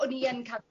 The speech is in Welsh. o'n i yn ca'l